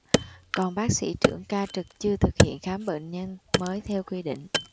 còn bác sĩ trưởng ca trực chưa thực hiện khám bệnh nhân mới theo quy định